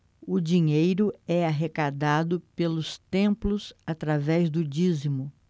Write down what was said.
o dinheiro é arrecadado pelos templos através do dízimo